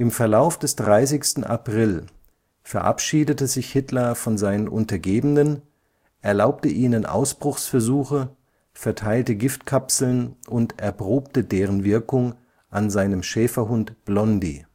Verlauf des 30. April verabschiedete sich Hitler von seinen Untergebenen, erlaubte ihnen Ausbruchsversuche, verteilte Giftkapseln und erprobte deren Wirkung an seinem Schäferhund Blondi